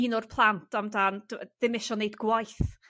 un o'r plant amdan do- yy ddim isio neud gwaith.